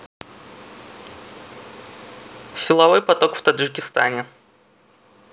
силовой поток в таджикистане